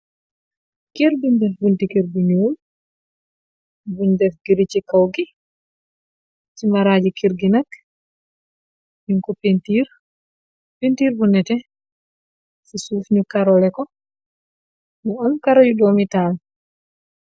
Keur buñ def bunti keur bu ñuul, buñ def giri ci kaw gi. Ci maraji keur gi nak, nung ko pintiir, pintiir bu nete. Ci suuf nu karole ko, mu am karayu doomi taal.